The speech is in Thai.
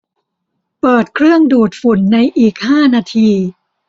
เปิดเครื่องดูดฝุ่นในอีกห้านาที